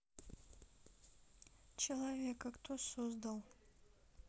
человека кто создал